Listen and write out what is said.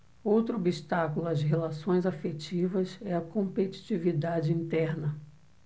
outro obstáculo às relações afetivas é a competitividade interna